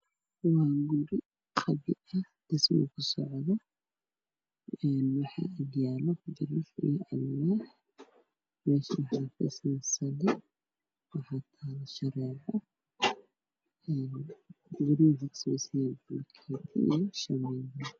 Waa guri qabyo ah oo dhismo kusocoto waxaa agyaalo birar iyo alwaax. Waxaa taalo shareeco, wareega uu kasameysan waa shamiito iyo bulukeeti.